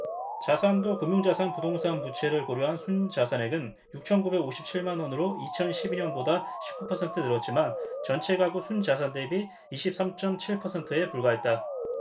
자산도 금융자산 부동산 부채를 고려한 순자산액은 육천 구백 오십 칠 만원으로 이천 십 이 년보다 십 구 퍼센트 늘었지만 전체가구 순자산 대비 이십 삼 쩜 칠 퍼센트에 불과했다